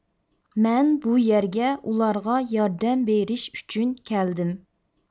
مەن بۇ يەرگە ئۇلارغا ياردەم بېرىش ئۈچۈن كەلدىم